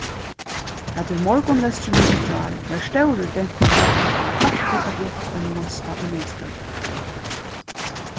at í morgunlestrinum í gjár varð stórur dentur lagdur á altíð at hjálpa einum næsta í neyðstøðu